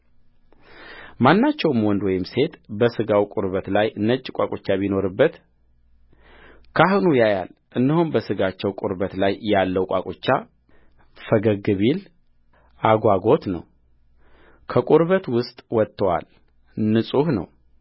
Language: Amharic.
ማናቸውም ወንድ ወይም ሴት በሥጋው ቁርበት ላይ ነጭ ቋቁቻ ቢኖርበትካህኑ ያያል እነሆም በሥጋቸው ቁርበት ላይ ያለው ቋቁቻ ፈገግ ቢል አጓጐት ነው ከቁርበቱ ውስጥ ወጥቶአል ንጹሕ ነው